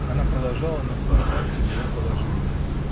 Она продолжала наслаждаться его положением.